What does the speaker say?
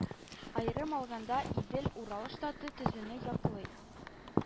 Аерым алганда идел-урал штаты төзүне яклый